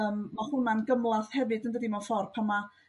yym ma' hwnna'n gymhlath hefyd yn dydi? Mewn ffor' pan ma'